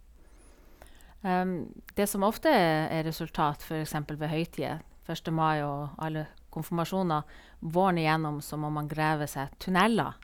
Det som ofte er resultat, for eksempel ved høytider, første mai og alle konfirmasjoner våren igjennom, så må man grave seg tunneler.